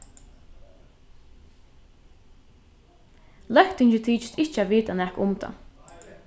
løgtingið tykist ikki at vita nakað um tað